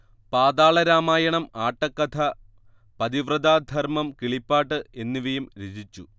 പാതാളരാമായണം ആട്ടക്കഥ പതിവ്രതാധർമം കിളിപ്പാട്ട് എന്നിവയും രചിച്ചു